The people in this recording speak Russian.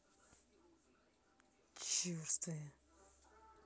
черствое